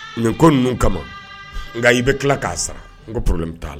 Nin ko ninnu kama nka i bɛ tila k'a san n ko porolen bɛ t'a la